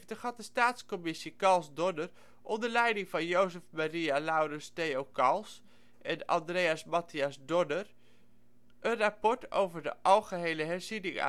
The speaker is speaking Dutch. had de Staatscommissie Cals/Donner onder leiding van Jozef Maria Laurens Theo Cals en Andreas Matthias Donner een rapport over de algehele herziening